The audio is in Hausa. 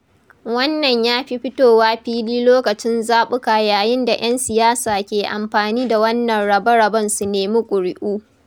Wannan yafi fitowa fili lokacin zaɓuka yayin da 'yan siyasa ke amfani da wannan rabe-raben su nemi ƙuri'u.